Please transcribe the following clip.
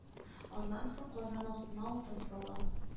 Аннан соң казан астына утын сала